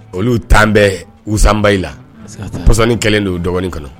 Olu tan bɛɛ uzsanba la psɔnni kɛlen don dɔgɔnin kɔnɔ